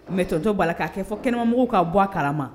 Mɛ tontɔ b'a la kaa fɔ kɛnɛma mugu kaa bɔ a kalama